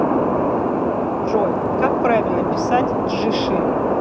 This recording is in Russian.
джой как правильно писать жиши